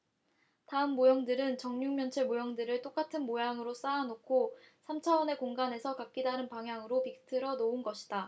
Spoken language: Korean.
다음 모형들은 정육면체 모형들을 똑같은 모양으로 쌓아놓고 삼 차원 공간에서 각기 다른 방향으로 비틀어 놓은 것이다